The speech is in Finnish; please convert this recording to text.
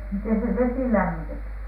miten se vesi lämmitettiin